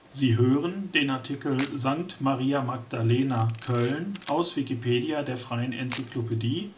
Sie hören den Artikel St. Maria Magdalena (Köln), aus Wikipedia, der freien Enzyklopädie